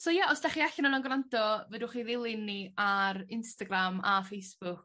So ia os dach chi allan yno'n grando fedrwch chi ddilyn ni a'r Instagram a Facebook